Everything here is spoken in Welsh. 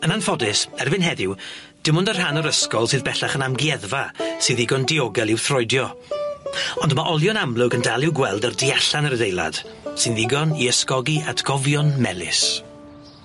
Yn anffodus, erbyn heddiw dim ond y rhan o'r ysgol sydd bellach yn amgueddfa sy ddigon diogel i'w throidio ond ma' olion amlwg yn dal i'w gweld ar du allan yr adeilad, sy'n ddigon i ysgogi atgofion melys.